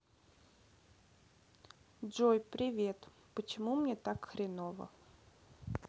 джой привет почему мне так хреново